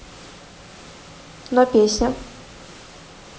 но песня